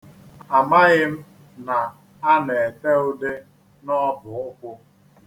Amaghị m na a na-ete ude n'ọbụụkwụ.